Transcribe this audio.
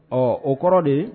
Ɔ o kɔrɔ de